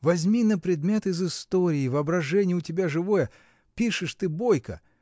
Возьми-ка предмет из истории, воображение у тебя живое, пишешь ты бойко.